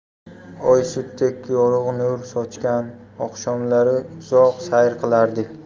oy sutdek yorug' nur sochgan oqshomlari uzoq sayr qilardik